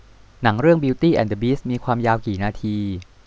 หนังเรื่องบิวตี้แอนด์เดอะบีสต์มีความยาวกี่นาที